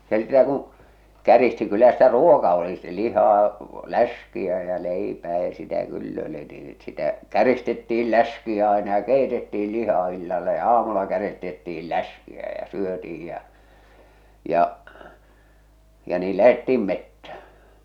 ja se sitä kun käristi kyllä sitä ruoka oli sitä lihaa läskiä ja leipää ja sitä kyllä oli niin sitä käristettiin läskiä aina ja keitettiin lihaa illalla ja aamulla käristettiin läskiä ja syötiin ja ja ja niin lähdettiin metsään